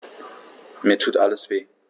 Mir tut alles weh.